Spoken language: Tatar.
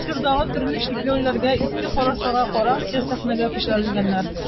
Ул чордагы төрле чикләүләргә, иске карашларга карамыйча сәхнәгә күтәрелгәннәр.